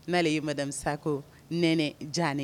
N'ale y'i madamisa ko nɛnɛ diyanen